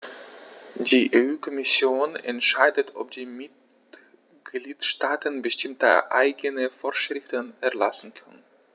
Die EU-Kommission entscheidet, ob die Mitgliedstaaten bestimmte eigene Vorschriften erlassen können.